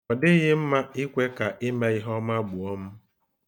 Ọ dịghị mma ikwe ka ime ihe ọma gbụọ m.